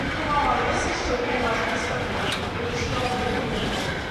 i gloi y sesiwn hefo'r disgyblion fe neshi i ofyn iddyn n'w